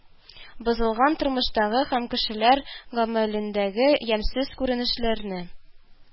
Бозылган тормыштагы һәм кешеләр гамәлендәге ямьсез күренешләрне